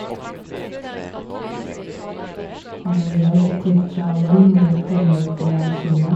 Jeg heter Jiawen, og jeg kommer fra Kina.